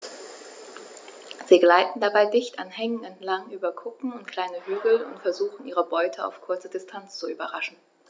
Sie gleiten dabei dicht an Hängen entlang, über Kuppen und kleine Hügel und versuchen ihre Beute auf kurze Distanz zu überraschen.